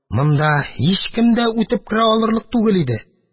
Монда һичкем дә үтеп керә алырлык түгел иде.